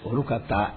Olu ka taa